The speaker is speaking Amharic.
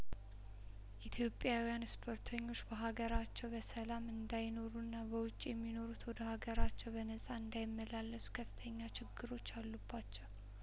ኢትዮጵያውያን ስፖርተኞች በሀገራቸው በሰላም እንዳይኖሩና በውጪ የሚኖሩት ወደ ሀገር በነጻ እንዳይመላለሱ ከፍተኛ ችግሮች አሉባቸው